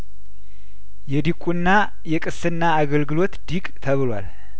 የዲቁና የቅስና አገልግሎት ዲቅ ተብሏል